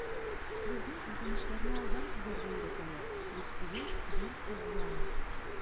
Безне үтенечләрне алдан сизәргә өйрәтәләр, - дип сөйли студент кыз Яна.